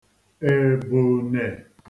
èbùnè